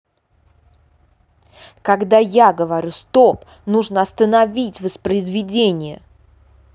когда я говорю стоп нужно остановить воспроизведение